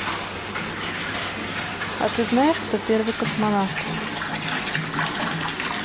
а ты знаешь кто первый космонавт